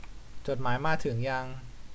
จดหมายมาถึงยัง